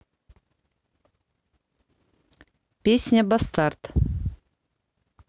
песня bastard